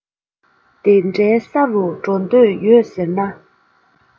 དེ འདྲའི ས རུ འགྲོ འདོད ཡོད ཟེར ན